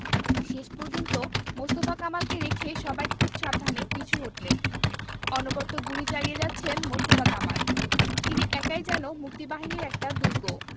শেষ পর্যন্ত মোস্তফা কামালকে রেখে সবাই খুব সাবধানে পিছু হটলেন অনবরত গুলি চালিয়ে যাচ্ছেন মোস্তফা কামাল তিনি একাই যেন মুক্তিবাহিনীর একটা দুর্গ